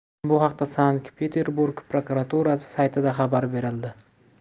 bu haqda sankt peterburg prokuraturasi saytida xabar berildi